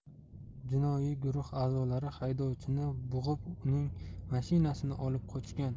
jinoiy guruh a'zolari haydovchini bo'g'ib uning mashinasini olib qochgan